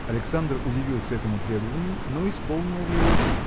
Александр удивился этому требованию, но исполнил его.